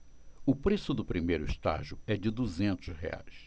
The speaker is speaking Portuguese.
o preço do primeiro estágio é de duzentos reais